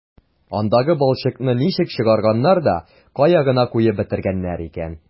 Андагы балчыкны ничек чыгарганнар да кая гына куеп бетергәннәр икән...